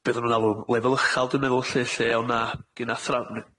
be' oddan nw'n alw lefal uchel dw' meddwl lly, lle o' 'na gyn-athraw-